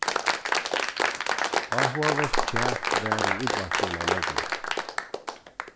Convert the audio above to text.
áhugavert kjak var í útvarpinum ein morgunin